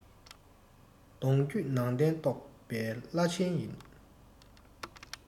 མདོ རྒྱུད ནང བསྟན རྟོགས པའི བླ ཆེན ཡིན